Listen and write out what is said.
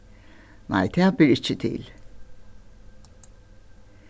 nei tað ber ikki til